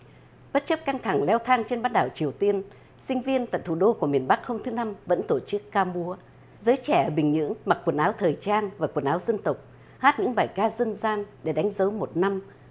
bất chấp căng thẳng leo thang trên bán đảo triều tiên sinh viên tận thủ đô của miền bắc hôm thứ năm vẫn tổ chức ca múa giới trẻ bình nhưỡng mặc quần áo thời trang và quần áo dân tộc hát những bài ca dân gian để đánh dấu một năm